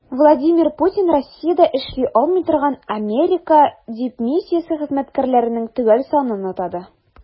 Владимир Путин Россиядә эшли алмый торган Америка дипмиссиясе хезмәткәрләренең төгәл санын атады.